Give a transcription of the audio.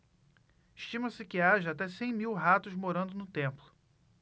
estima-se que haja até cem mil ratos morando no templo